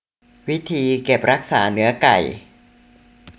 วิธีเก็บรักษาเนื้อไก่